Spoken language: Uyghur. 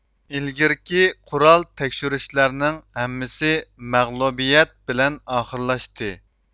ئىلگىرىكى قورال تەكشۈرۈشلەرنىڭ ھەممىسى مەغلۇبىيەت بىلەن ئاخىرلاشتى